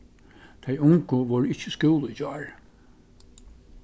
tey ungu vóru ikki í skúla í gjár